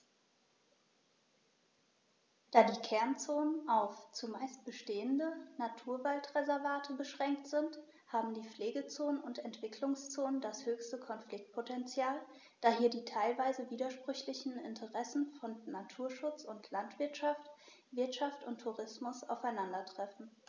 Da die Kernzonen auf – zumeist bestehende – Naturwaldreservate beschränkt sind, haben die Pflegezonen und Entwicklungszonen das höchste Konfliktpotential, da hier die teilweise widersprüchlichen Interessen von Naturschutz und Landwirtschaft, Wirtschaft und Tourismus aufeinandertreffen.